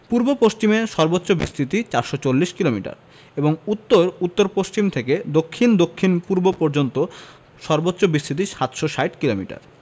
পূর্ব পশ্চিমে সর্বোচ্চ বিস্তৃতি ৪৪০ কিলোমিটার এবং উত্তর উত্তর পশ্চিম থেকে দক্ষিণ দক্ষিণপূর্ব পর্যন্ত সর্বোচ্চ বিস্তৃতি ৭৬০ কিলোমিটার